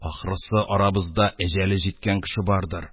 Ахрысы, арабызда әҗәле җиткән кеше бардыр,